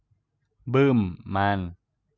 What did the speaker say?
บึ้มมัน